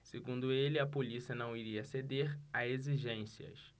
segundo ele a polícia não iria ceder a exigências